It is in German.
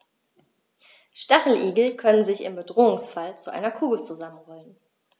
Stacheligel können sich im Bedrohungsfall zu einer Kugel zusammenrollen.